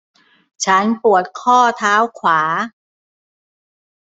ฉันปวดข้อเท้าขวา